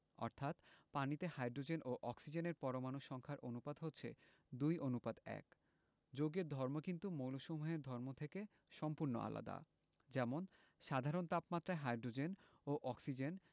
অর্থাৎ পানিতে হাইড্রোজেন ও অক্সিজেনের পরমাণুর সংখ্যার অনুপাত হচ্ছে ২ অনুপাত ১যৌগের ধর্ম কিন্তু মৌলসমূহের ধর্ম থেকে সম্পূর্ণ আলাদা যেমন সাধারণ তাপমাত্রায় হাইড্রোজেন ও অক্সিজেন